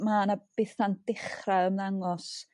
ma' 'na betha'n dechra' ymddangos